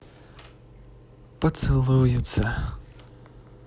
поцелуются